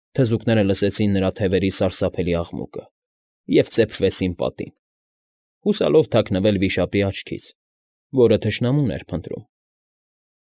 Թզուկները լսեցին նրա թևերի սարսափելի աղմուկը և ծեփվեցին պատին՝ հուսալով թաքնվել վիշապի աչքից, որ թշնամուն էր փնտրում։